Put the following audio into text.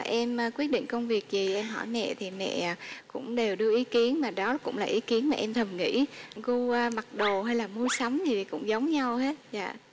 em quyết định công việc gì em hỏi mẹ thì mẹ cũng đều đưa ý kiến và đó cũng là ý kiến mà em thầm nghĩ gu mặc đồ hay là mua sắm gì thì cũng giống nhau hết dạ